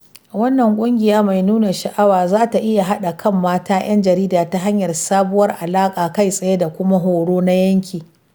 Wannan ƙungiya mai nuna sha'awa za ta iya haɗa kan mata 'yan jarida ta hanyar sabuwar alaƙa kai-tsaye da kuma horo na yanki.